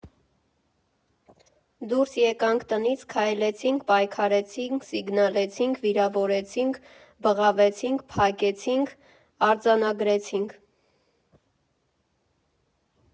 Դուրս եկանք տնից, քայլեցինք, պայքարեցինք, սիգնալեցինք, վիրավորվեցինք, բղավեցինք, փակեցինք, արձանագրեցինք…